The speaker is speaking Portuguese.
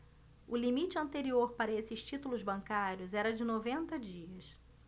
o limite anterior para estes títulos bancários era de noventa dias